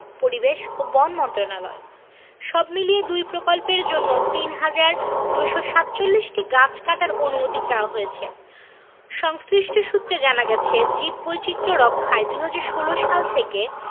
পরিবেশ ও বন মন্ত্রণালয় সবমিলিয়ে দুই প্রকল্পের জন্য ৩হাজার ২৪৭টি গাছ কাটার অনুমতি চাওয়া হয়েছে সংশ্লিষ্ট সূত্রে জানা গেছে জীববৈচিত্র্য রক্ষায় ২০১৬ সাল থেকে